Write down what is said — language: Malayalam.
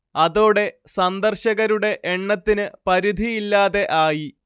അതോടെ സന്ദർശകരുടെ എണ്ണത്തിന് പരിധിയില്ലാതെ ആയി